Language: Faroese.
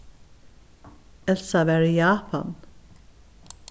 elsa var í japan